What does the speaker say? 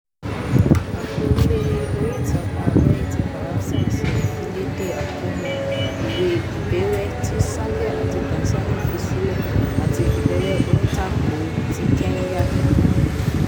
Àkọọ́lẹ̀ oríìtakùn àgbáyé ti Baraza ṣe ìfiléde àkóónú ìwé ìbẹ̀wẹ̀ tí Zambia àti Tanzania fi sílẹ̀ àti ìbẹ̀wẹ̀ onítakò ti Kenya.